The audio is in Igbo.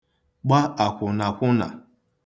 gba àkwụ̀nàkwụnà